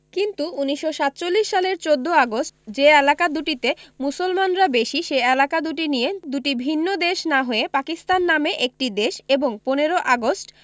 কিন্তু ১৯৪৭ সালের ১৪ আগস্ট যে এলাকা দুটিতে মুসলমানরা বেশি সেই এলাকা দুটি নিয়ে দুটি ভিন্ন দেশ না হয়ে পাকিস্তান নামে একটি দেশ এবং ১৫ আগস্ট